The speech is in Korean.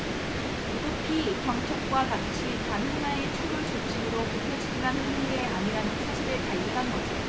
무릎이 경첩과 같이 단 하나의 축을 중심으로 굽혀지기만 하는 게 아니라는 사실을 발견한 거죠